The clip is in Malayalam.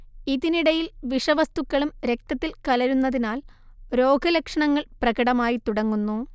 ഇതിനിടയിൽ വിഷവസ്തുക്കളും രക്തത്തിൽ കലരുന്നതിനാൽ രോഗലക്ഷണങ്ങൾ പ്രകടമായിത്തുടങ്ങുന്നു